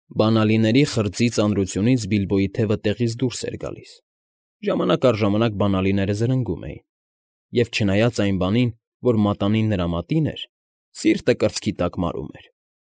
Բանալիների խրձի ծանրությունից Բիլբոյի թևը տեղից դուրս էր գալիս, ժամանակ առ ժամանակ բանալիները զրնգում էին, և չնայած այն բանին, որ մատանին նրա մատին էր, սիրտը կրծքի տակ մարում էր։